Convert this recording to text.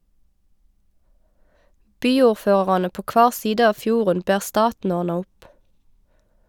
Byordførarane på kvar side av fjorden ber staten ordna opp.